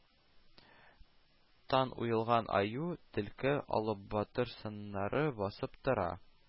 Тан уелган аю, төлке, алып батыр сыннары басып тора